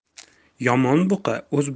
yomon buqa o'z